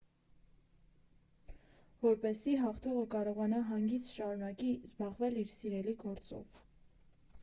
Որպեսզի հաղթողը կարողանա հանգիստ շարունակի զբաղվել իր սիրելի գործով։